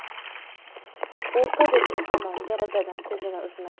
o'qi dedi u hamon derazadan ko'z uzmay